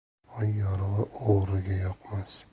oy yorug'i o'g'riga yoqmas